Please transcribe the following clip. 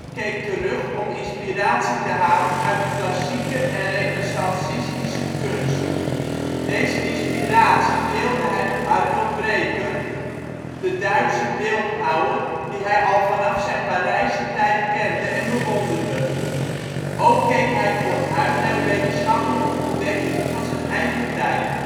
keek terug om inspiratie te halen uit de klassieke en renaissancistische kunst. Deze inspiratie deelde hij met Arno Breker, de Duitse beeldhouwer die hij al vanaf zijn Parijse tijd kende en bewonderde. Ook keek hij vooruit naar de wetenschappelijke ontdekkingen van zijn eigen tijd